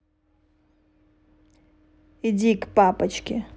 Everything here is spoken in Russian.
иди к папочке